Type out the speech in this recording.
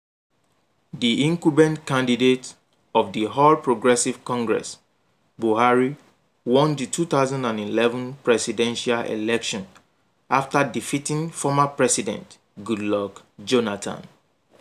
The incumbent candidate of the All Progressive Congress, Buhari won the 2011 presidential election after defeating former president Goodluck Jonathan.